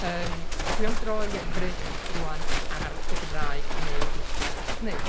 yym a dwi am droi i edrych rwan ar y Gymraeg yn ôl grwpiau ethnig.